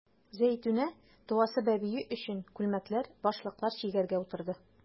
Зәйтүнә туасы бәбие өчен күлмәкләр, башлыклар чигәргә утырды.